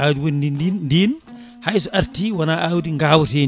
awdi wondi ndin ndin hayso arti wona awdi gawetedi